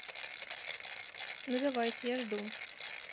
ну давайте я жду